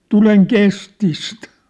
tulen kestistä